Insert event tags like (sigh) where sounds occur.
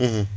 (hesitation) (hesitation)